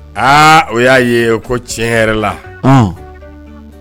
Aa o y'a ye o ko tiɲɛ yɛrɛ la